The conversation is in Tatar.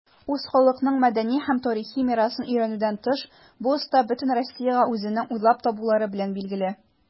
Үз халкының мәдәни һәм тарихи мирасын өйрәнүдән тыш, бу оста бөтен Россиягә үзенең уйлап табулары белән билгеле.